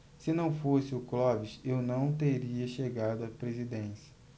se não fosse o clóvis eu não teria chegado à presidência